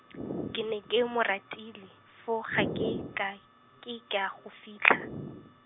ke ne ke mo ratile, foo ga ke, ka, ke ka go fitlha.